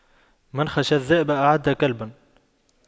من خشى الذئب أعد كلبا